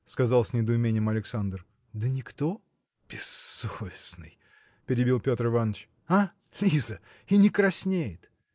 – сказал с недоумением Александр, – да никто. – Бессовестный! – перебил Петр Иваныч, – а? Лиза! и не краснеет!